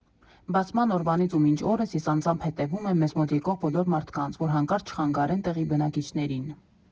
Բացման օրվանից ու մինչ օրս ես անձամբ հետևում եմ մեզ մոտ եկող բոլոր մարդկանց, որ հանկարծ չխանգարեն տեղի բնակիչներին»։